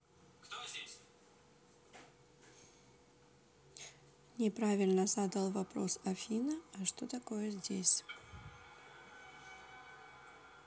неправильно задал вопрос афина а что такое здесь